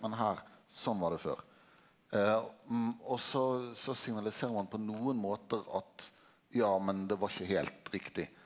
men her sånn var det før og så så signaliserer ein på nokon måtar at ja men det var ikkje heilt riktig.